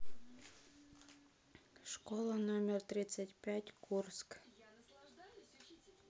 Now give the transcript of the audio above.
школа номер тридцать пять курск